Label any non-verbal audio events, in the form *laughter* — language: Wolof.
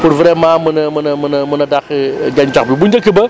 pour vraiment mën a mën a mën a mën a dàq *hesitation* gàncax bi bu njëkk ba